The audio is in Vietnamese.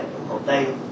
hồ tây